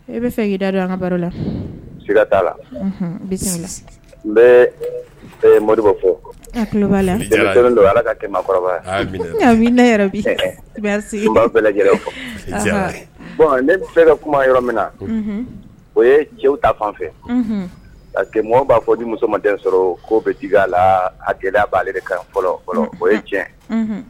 E bɛ fɛ'da don an ka baro la t' la n bɛ mɔbɔ fɔ don ala kakɔrɔba bɔn ne bɛɛ ka kuma yɔrɔ min na o ye cɛw ta fan fɛ kɛ maaw b'a fɔ ni muso maden sɔrɔ ko bɛ jigin a la a gɛlɛya b'a de kan o ye tiɲɛ